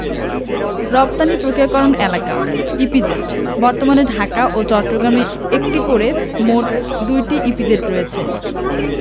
রপ্তানি প্রক্রিয়াকরণ এলাকাঃ ইপিজেড বর্তমানে ঢাকা ও চট্টগ্রামে একটি করে মোট ২টি ইপিজেড রয়েছে